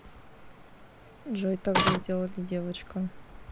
джой также сделали девочка